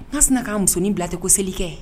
Ka sina ka musonin bila ten ko seli kɛ